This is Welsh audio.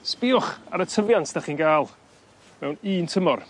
sbïwch ar y tyfiant 'dach chi'n ga'l mewn un tymor.